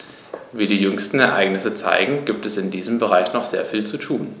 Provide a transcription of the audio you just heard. Wie die jüngsten Ereignisse zeigen, gibt es in diesem Bereich noch sehr viel zu tun.